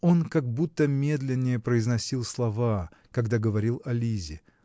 Он как будто медленнее произносил слова, когда говорил о Лизе.